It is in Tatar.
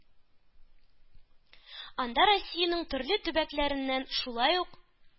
Анда Россиянең төрле төбәкләреннән, шулай ук,